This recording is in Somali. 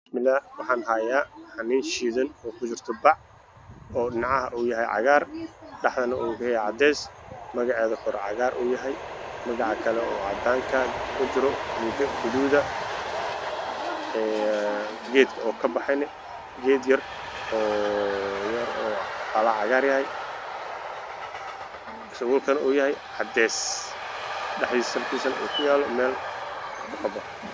Waa sawir xayeysiis waxaa ii muuqda mid geed baxaysa oo caleemo leh waana bal